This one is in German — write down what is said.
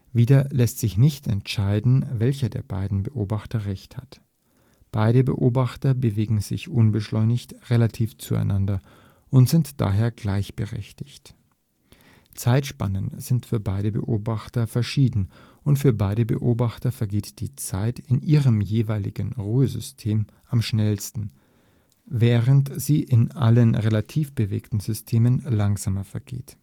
Wieder lässt sich nicht entscheiden, welcher der beiden Beobachter recht hat. Beide Beobachter bewegen sich unbeschleunigt relativ zueinander und sind daher gleichberechtigt. Zeitspannen sind für beide Beobachter verschieden, und für beide Beobachter vergeht die Zeit in ihrem jeweiligen Ruhesystem am schnellsten, während sie in allen relativ bewegten Systemen langsamer vergeht